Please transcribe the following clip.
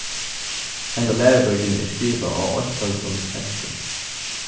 henda lærubókin er skrivað á einføldum enskum